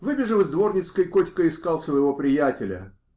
*** Выбежав из дворницкой, Котька искал своего приятеля.